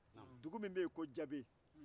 dugu min bɛ ysn ko jabe